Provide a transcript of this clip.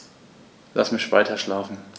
Lass mich weiterschlafen.